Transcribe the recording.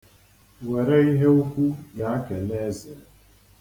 Were ihe ukwu gaa kelee eze.